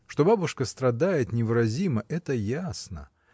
Что бабушка страдает невыразимо — это ясно.